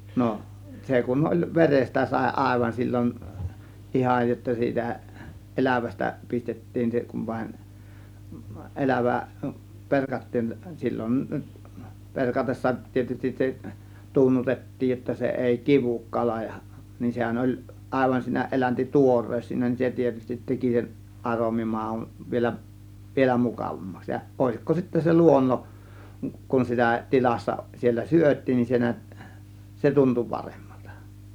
no se kun oli verestä sai aivan silloin ihan jotta siitä elävästä pistettiin se kun vain elävä perattiin silloin peratessa tietysti se tunnutettiin jotta se ei kidu kala ja niin sehän oli aivan siinä - eläntituore siinä niin se tietysti teki sen aromi maun vielä vielä mukavammaksi ja olisiko sitä se - kun sitä tilassa siellä syötiin niin se näet se tuntui paremmalta